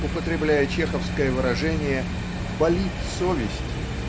употребляя чеховское выражение "болит совесть"